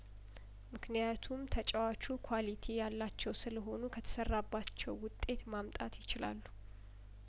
ምክንያቱም ተጫዋቹ ኳሊቲ ያላቸው ስለሆኑ ከተሰራባቸው ውጤት ማምጣት ይችላሉ